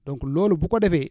donc loolu bu ko defee